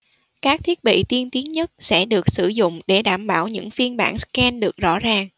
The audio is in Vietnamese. các thiết bị tiên tiến nhất sẽ được sử dụng để đảm bảo những phiên bản scan được rõ ràng